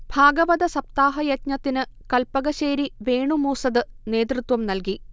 ഭാഗവതസപ്താഹ യജ്ഞത്തിന് കല്പകശ്ശേരി വേണു മൂസ്സത് നേതൃത്വം നൽകി